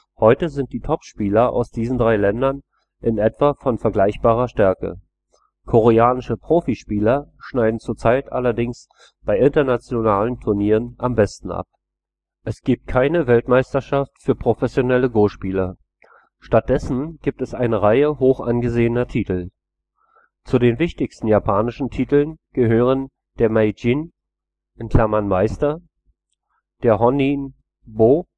Heute sind die Top-Spieler aus diesen drei Ländern in etwa von vergleichbarer Stärke; koreanische Profispieler schneiden zurzeit allerdings bei internationalen Turnieren am besten ab. Es gibt keine Weltmeisterschaft für professionelle Go-Spieler. Stattdessen gibt es eine Reihe hoch angesehener Titel. Zu den wichtigsten japanischen Titeln gehören der Meijin (名人, „ Meister “), der Hon’ inbō